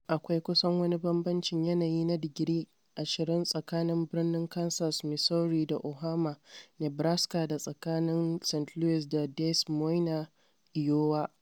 Akwai kusan wani bambancin yanayi na digiri 20 tsakanin Birnin Kansas, Missouri, da Omaha, Nebraska, da tsakanin St. Louis da Des Moines, Iowa.